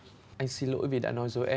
anh xin lỗi vì đã nói dối